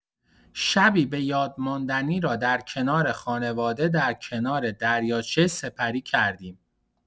شبی بۀاد ماندنی را در کنار خانواده در کنار دریاچه سپری کردیم.